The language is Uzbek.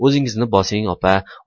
o'zingizni bosing opa